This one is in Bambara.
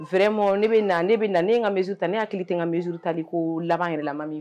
Vma ne bɛ na ne bɛ na ne n ka misi tan ta ne' hakili tile n ka misi tali ko laban yɛrɛla min fɛ